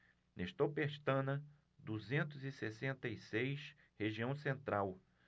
nestor pestana duzentos e sessenta e seis região central